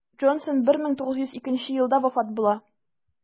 Джонсон 1902 елда вафат була.